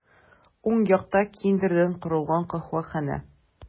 Уң якта киндердән корылган каһвәханә.